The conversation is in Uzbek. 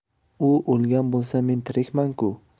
u o'lgan bo'lsa men tirikman ku